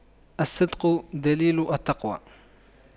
الصدق دليل التقوى